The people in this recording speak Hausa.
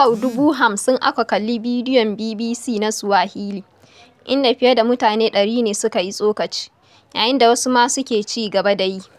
Kusan sau 50,000 aka kalli bidiyon BBC na Suwahili, inda fiye da mutane 100 ne suka yi tsokaci, yayin da wasu ma suke ci gaba da yi.